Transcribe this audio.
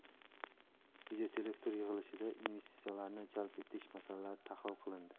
videoselektor yig'ilishida investitsiyalarni jalb etish masalalari tahlil qilindi